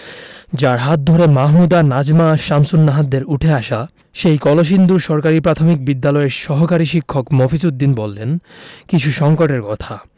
যাঁর হাত ধরে মাহমুদা নাজমা শামসুন্নাহারদের উঠে আসা সেই কলসিন্দুর সরকারি প্রাথমিক বিদ্যালয়ের সহকারী শিক্ষক মফিজ উদ্দিন বললেন কিছু সংকটের কথা